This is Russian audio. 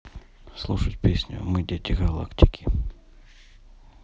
слушать песню мы дети галактики